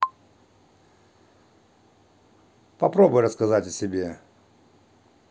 попробуй рассказать о себе